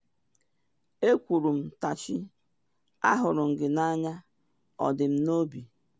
Ekwuru m, “Tashi, ahụrụ m gị n’anya, ọ dị m n'obi.